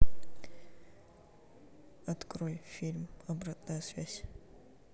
открой фильм обратная связь